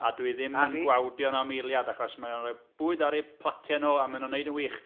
A dwi ddim yn... a fi. ...gwawdio nhw am eiliad, achos mae o'n rhoi bwyd ar eu platiau nhw a maen nhw'n wneud yn wych.